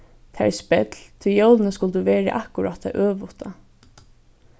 tað er spell tí jólini skuldu verið akkurát tað øvuta